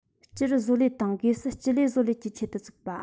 སྤྱིར བཟོ ལས དང སྒོས སུ ལྕི ཆས བཟོ ལས ཀྱི ཆེད དུ བཙུགས པ